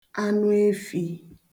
anụefī